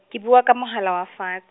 ke bua ka mohala wa fat-.